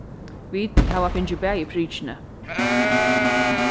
vit hava fingið bæði prikini